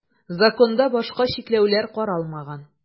Законда башка чикләүләр каралмаган.